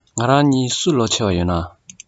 ང རང གཉིས སུ ལོ ཆེ བ ཡོད ན